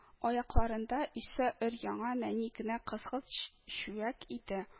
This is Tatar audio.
Аякларында исә өр-яңа нәни генә кызгылт чүәк иде